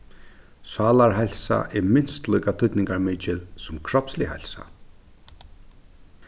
sálarheilsa er minst líka týdningarmikil sum kropslig heilsa